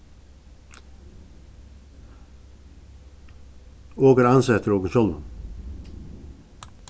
okur ansa eftir okum sjálvum